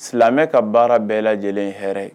Silamɛ ka baara bɛɛ lajɛlen ye hɛrɛ ye.